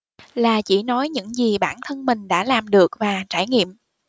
là chỉ nói những gì bản thân mình đã làm được và trải nghiệm